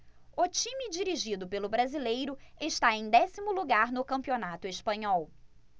o time dirigido pelo brasileiro está em décimo lugar no campeonato espanhol